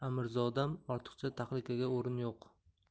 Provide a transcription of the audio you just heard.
gapirdi amirzodam ortiqcha tahlikaga o'rin yo'q